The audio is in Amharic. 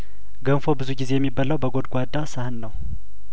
ገንፎ ብዙ ጊዜ የሚበላው በጐድጓዳ ሳህን ነው